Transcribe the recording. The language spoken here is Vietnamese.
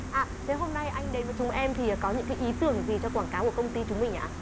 à thế hôm nay anh đến với chúng em thì có những cái ý tưởng gì cho quảng cáo của công ty chúng mình ạ